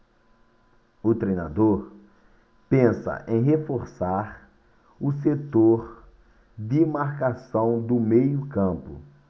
o treinador pensa em reforçar o setor de marcação do meio campo